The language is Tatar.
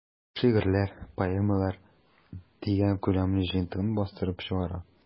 "шигырьләр, поэмалар” дигән күләмле җыентыгын бастырып чыгара.